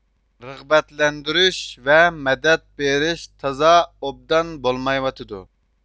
رىغبەتلەندۈرۈش ۋە مەدەت بىرىش تازا ئوبدان بولمايۋاتىدۇ